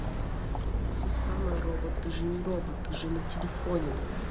все самое робот ты же не робот ты же на телефоне